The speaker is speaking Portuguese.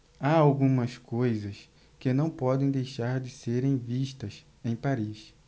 há algumas coisas que não podem deixar de serem vistas em paris